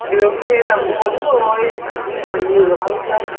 đương nhiên là muốn rồi nhưng mà nhiều là bao nhiêu